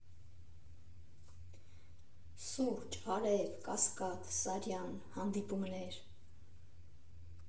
Սուրճ, արև, Կասկադ, Սարյան, հանդիպումներ։